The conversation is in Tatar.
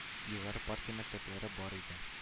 Югары партия мәктәпләре бар иде